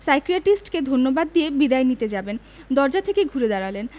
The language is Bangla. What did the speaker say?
সাইকিয়াট্রিস্টকে ধন্যবাদ দিয়ে বিদায় নিতে যাবেন দরজা থেকে ঘুরে দাঁড়ালেন